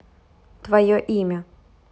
твое имя